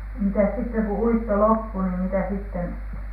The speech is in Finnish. mitäs sitten kun uitto loppui niin mitä sitten